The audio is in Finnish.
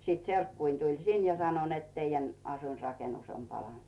sitten serkkuni tuli sinne ja sanoi että teidän asuinrakennus on palanut